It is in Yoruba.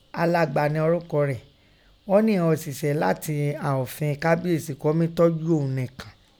Alagba nẹ ọrukọ rẹ, Ọ́ ni ìnọn ọ̀ṣiṣẹ latẹn àọ̀fin Kábíèsí kọ́́ mí tọ́jú òun nìkàn.